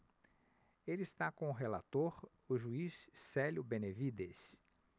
ele está com o relator o juiz célio benevides